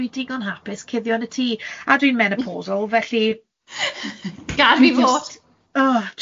Covid, dwi'n digon hapus cuddio yn y tŷ, a dwi'n menopausal, felly... Gad i mi fod!